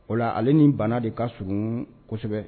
O la ale ni banna de ka s kosɛbɛ